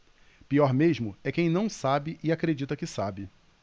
pior mesmo é quem não sabe e acredita que sabe